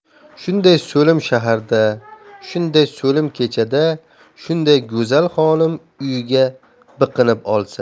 shunday so'lim shaharda shunday so'lim kechada shunday go'zal xonim uyiga biqinib olsa